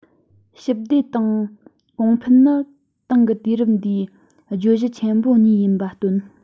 ཞི བདེ དང གོང སྤེལ ནི དེང གི དུས རབས འདིའི བརྗོད གཞི ཆེན པོ གཉིས ཡིན པ བཏོན